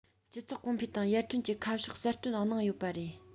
སྤྱི ཚོགས གོང འཕེལ དང ཡར ཐོན གྱི ཁ ཕྱོགས གསལ སྟོན གནང ཡོད པ རེད